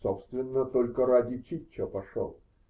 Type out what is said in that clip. Собственно, только ради Чиччо пошел.